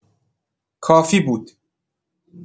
کافی بود.